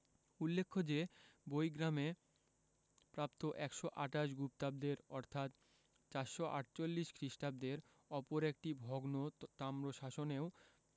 উল্লেখ্য যে বৈগ্রামে প্রাপ্ত ১২৮ গুপ্তাব্দের অর্থাৎ ৪৪৮ খ্রিস্টাব্দের অপর একটি ভগ্ন তাম্রশাসনেও